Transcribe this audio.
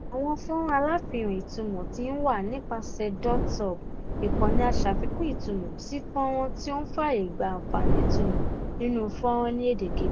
Àwọn fọ́nràn aláfihàn ìtumọ̀ ti ń wà nípasẹ̀ dotSUB, ìkànnì aṣàfikún ìtumọ̀ sí fọ́nràn tí ó ń fààyè gba àfihàn ìtumọ̀ nínú fọ́nràn ní èdèkedè.